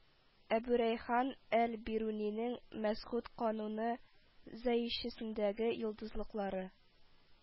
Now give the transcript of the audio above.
Әбүрәйхан әл-Бирунинең «Мәсгуд кануны» зайичәсендәге йолдызлыклары